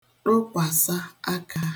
ṭụkwàsa akā